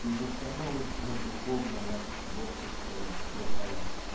безостановочно-духовного и творческого Чехова.